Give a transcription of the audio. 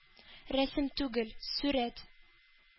— рәсем түгел. сурәт.